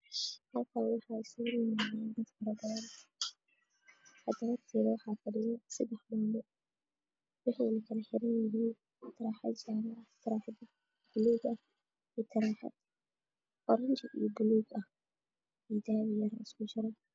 Halkaan cagaar agteeda waxa fadhiyo taruxad jaale guduug dahabi isku jiro